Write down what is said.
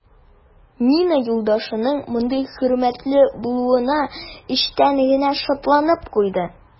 Нина юлдашының мондый хөрмәтле булуына эчтән генә шатланып куйды.